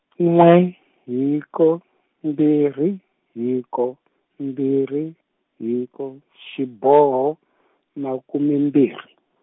n'we hiko mbirhi hiko mbirhi hiko xiboho makume mbirhi.